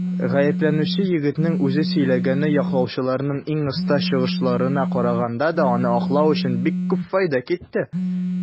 Гаепләнүче егетнең үзе сөйләгәне яклаучыларның иң оста чыгышларына караганда да аны аклау өчен бик күп файда итте.